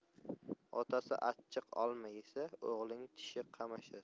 otasi achchiq olma yesa o'g'lining tishi qamashar